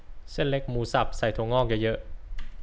เส้นเล็กหมูสับใส่ถั่วงอกเยอะเยอะ